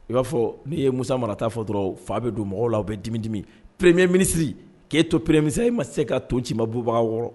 I b'a fɔ'i ye musa mara t'a fɔ dɔrɔn fa bɛ don mɔgɔw la u bɛ dimidimi perereme minisiriri k'e to pereremikisɛ e ma se ka tɔnci ma bubaga wɔɔrɔ